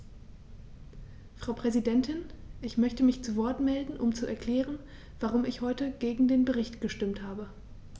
Frau Präsidentin, ich möchte mich zu Wort melden, um zu erklären, warum ich heute gegen den Bericht gestimmt habe.